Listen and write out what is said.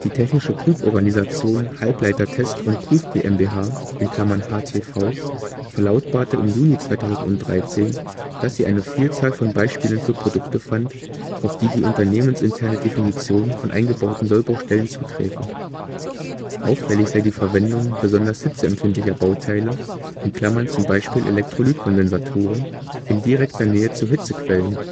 Technische Prüforganisation Halbleiter Test -& Prüf GmbH (HTV) verlautbarte im Juni 2013, dass sie eine „ Vielzahl von Beispielen für Produkte “fand, auf die die unternehmensinterne Definition von eingebauten Sollbruchstellen zuträfe. Auffällig sei „ die Verwendung besonders hitzeempfindlicher Bauteile (z.B. Elektrolytkondensatoren) in direkter Nähe zu Hitzequellen